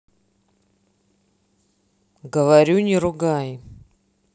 говорю не ругай